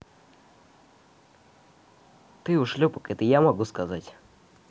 ты ушлепок это я могу сказать